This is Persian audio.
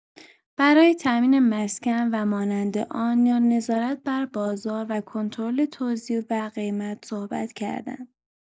برای تامین مسکن و مانند آن یا نظارت بر بازار و کنترل توزیع و قیمت صحبت کردند.